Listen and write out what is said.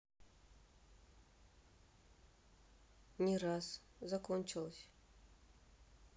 не раз закончилась